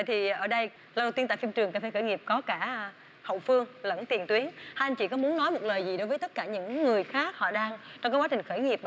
thì ở đây lần đầu tiên tại phim trường cà phê khởi nghiệp có cả hậu phương lẫn tiền tuyến hai anh chị có muốn nói một lời gì đối với tất cả những người khác họ đang trong quá trình khởi nghiệp á